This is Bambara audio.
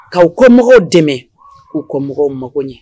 K'aw kɔ mɔgɔw dɛmɛ, k'u kɔmɔgɔw mago ɲa